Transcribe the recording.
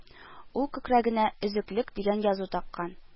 Ул күкрәгенә «Өзеклек» дигән язу таккан